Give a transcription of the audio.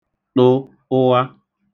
ṭụ ụgha